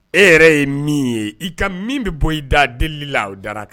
E yɛrɛ ye min ye i ka min bi bɔ i da deli la o da